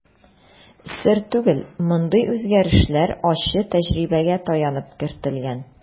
Сер түгел, мондый үзгәрешләр ачы тәҗрибәгә таянып кертелгән.